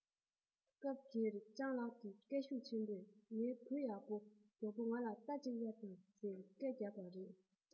སྐབས དེར སྤྱང ལགས ཀྱིས སྐད ཤུགས ཆེན པོས ངའི བུ ཡག པོ མགྱོགས པོ ང ལ རྟ གཅིག གཡར དང ཟེར སྐད རྒྱབ པ རེད